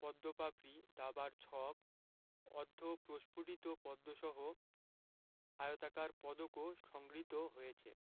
পদ্ম পাপড়ি দাবার ছক অর্ধপ্রস্ফুটিতপদ্মসহ আয়তাকার পদকও সংগৃহীত হয়েছে